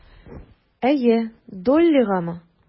Әйе, Доллигамы?